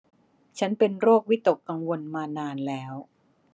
ฉันเป็นโรควิตกกังวลมานานแล้ว